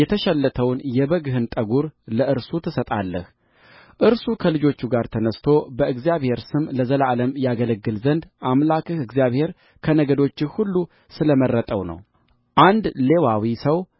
የተሸለተውን የበግህን ጠጕር ለእርሱ ትሰጣለህ እርሱ ከልጆቹ ጋር ተነሥቶ በእግዚአብሔር ስም ለዘላለም ያገለግል ዘንድ አምላክህ እግዚአብሔር ከነገዶችህ ሁሉ ስለ መረጠው ነው አንድ ሌዋዊ ሰው